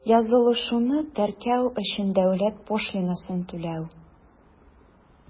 Язылышуны теркәү өчен дәүләт пошлинасын түләү.